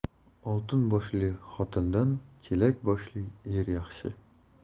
oltin boshli xotindan chelak boshli er yaxshi